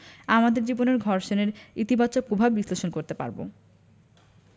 আমাদের জীবনে ঘর্ষণের ইতিবাচক পভাব বিশ্লেষণ করতে পারব